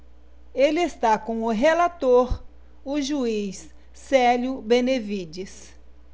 ele está com o relator o juiz célio benevides